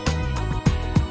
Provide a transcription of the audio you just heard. hồi